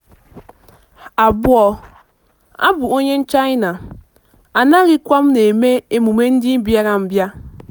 2. Abụ m onye China, anaghịkwa m eme emume ndị mbịarambịa.